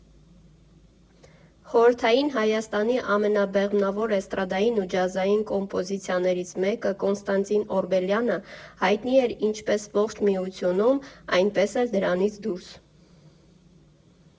Խորհրդային Հայաստանի ամենաբեղմնավոր էստրադային ու ջազային կոմպոզիտորներից մեկը՝ Կոնստանտին Օրբելյանը, հայտնի էր ինչպես ողջ Միությունում, այնպես էլ դրանից դուրս։